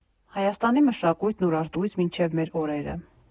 Հայաստանի մշակույթն Ուրարտուից մինչև մեր օրերը։